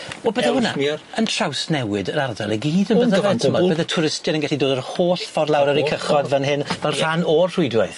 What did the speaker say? Wel bydde hwnna... ...Ellsmere. ...yn trawsnewid yr ardal i gyd yn bydde fe t'mod bydde twristied yn gellu dod yr holl ffordd lawr ar 'u cychod fan hyn fel rhan o'r rhwydwaith.